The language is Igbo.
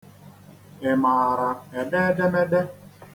Ị maara ede edemede?